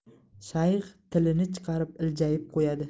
shayx tilini chiqarib iljayib qo'yadi